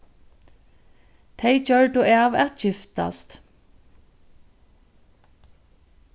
tey gjørdu av at giftast